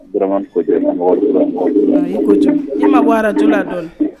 Ma arajla don